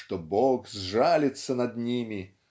что Бог сжалится над ними